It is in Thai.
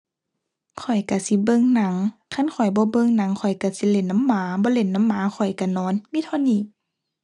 ข้อยก็สิเบิ่งหนัง คันข้อยบ่เบิ่งหนังข้อยก็สิเล่นนำหมา บ่เล่นนำหมาข้อยก็นอน มีเท่านี้